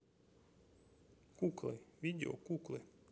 куклы видео куклы